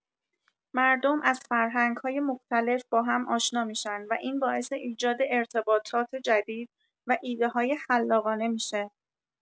مردم از فرهنگ‌های مختلف با هم آشنا می‌شن و این باعث ایجاد ارتباطات جدید و ایده‌های خلاقانه می‌شه.